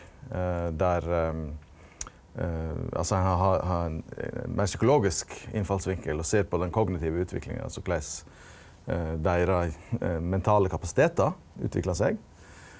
der altså ein har har ein meir psykologisk innfallsvinkel og ser på den kognitive utviklinga altso korleis deira mentale kapasitet då utviklar seg.